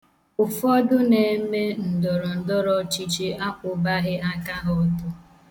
Ụfọdụ na-eme ndọrọndọrọọchịchị akwụbaghị aka ha ọtọ.